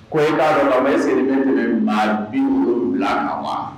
Ko in'a sɔrɔ bɛ siri bɛ dɛmɛba binurun bila na wa